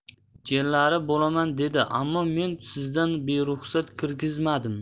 jiyanlari bo'laman dedi ammo men sizdan beruxsat kirgazmadim